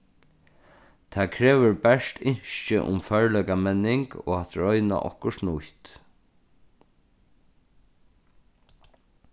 tað krevur bert ynski um førleikamenning og at royna okkurt nýtt